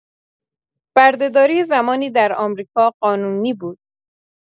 برده‌داری زمانی در آمریکا قانونی بود